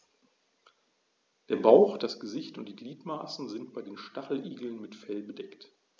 Der Bauch, das Gesicht und die Gliedmaßen sind bei den Stacheligeln mit Fell bedeckt.